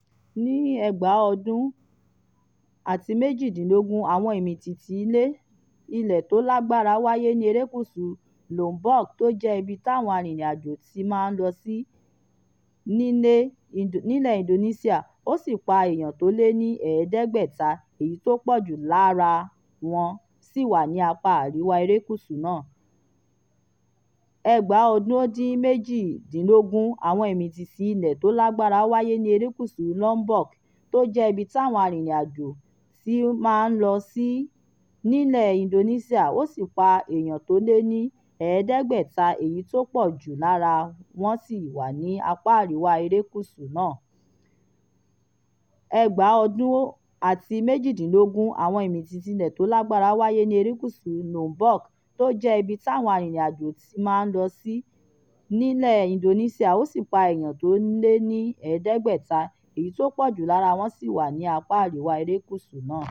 Ọdún 2018: Àwọn ìmìtìtì ilẹ̀ tó lágbára wáyé ní erékùṣù Lombok tó jẹ́ ibi táwọn arìnrìn-àjò ti máa ń lọ sí nílẹ̀ Indonesia, ó sì pa èèyàn tó lé ní ẹ̀ẹ́dẹ́gbẹ̀ta [500], èyí tó pọ̀ jù lára wọn sì wà ní apá àríwá erékùṣù náà.